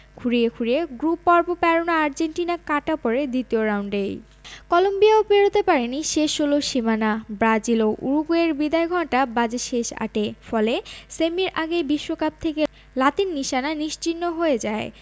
খুঁড়িয়ে খুঁড়িয়ে গ্রুপপর্ব পেরনো আর্জেন্টিনা কাটা পড়ে দ্বিতীয় রাউন্ডেই কলম্বিয়াও পেরোতে পারেনি শেষ ষোলোর সীমানা ব্রাজিল ও উরুগুয়ের বিদায়ঘণ্টা বাজে শেষ আটে ফলে সেমির আগেই বিশ্বকাপ থেকে লাতিন নিশানা নিশ্চিহ্ন হয়ে যায়